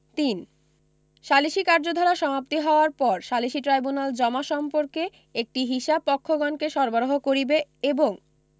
৩ সালিসী কার্যধারা সমাপ্তি হওয়ার পর সালিসী ট্রাইব্যুনাল জমা সম্পর্কে একটি হিসাব পক্ষগণকে সরবরাহ করিবে এবং